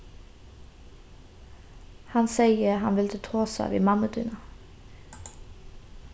hann segði hann vildi tosa við mammu tína